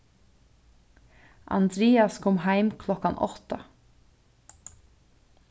andrias kom heim klokkan átta